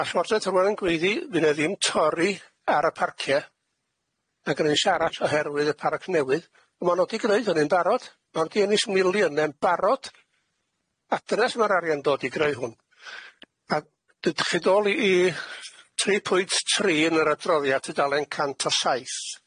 Ma'r swarte tywan yn gweiddi, fy' nw ddim torri ar y parcie, ag yn isie arall oherwydd y parc newydd, on' ma' nw di gneud hynny'n barod, ma' nw di ennill miliyne'n barod, adynes ma'r arian dod i greu hwn, a d- d- chi dol i i tri pwynt tri yn yr adroddiad y dalen cant a saith.